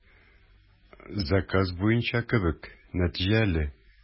Заказ буенча кебек, нәтиҗәле.